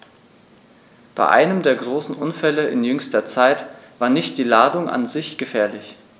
Bei einem der großen Unfälle in jüngster Zeit war nicht die Ladung an sich gefährlich.